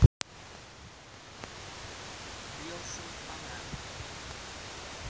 wilson панарин